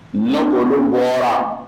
Negolen bɔra